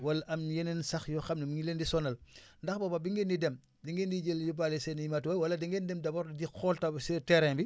wala am yeneen sax yoo xam ne mi ngi leen di sonal ndax booba bi ngeen di dem da ngeen di jël yóbbaale seen i matos wala da ngeen dem d' abord di xool si terrain bi